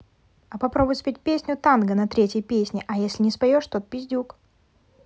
а попробуй спеть песню танго на третье песня а если не споешь тот пиздюк